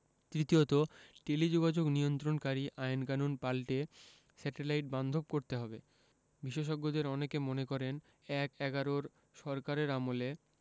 তৃতীয়ত টেলিযোগাযোগ নিয়ন্ত্রণকারী আইনকানুন পাল্টে স্যাটেলাইট বান্ধব করতে হবে বিশেষজ্ঞদের অনেকে মনে করেন এক–এগারোর সরকারের আমলে